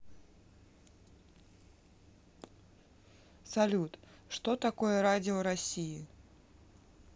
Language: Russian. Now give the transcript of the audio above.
салют что такое радио россии